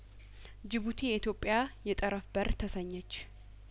ጅቡቲ የኢትዮጵያ የጠረፍ በር ተሰኘች